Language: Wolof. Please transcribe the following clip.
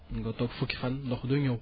mën nga toog fukki fan ndox du ñëw